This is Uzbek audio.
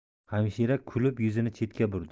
hamshira kulib yuzini chetga burdi